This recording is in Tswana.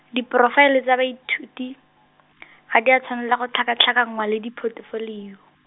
diporofaele tsa baithuti , ga di a tshwanelwa go tlhakatlhakanngwa le dipotefolio.